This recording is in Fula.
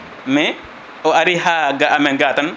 mais o aari ga amen ga tan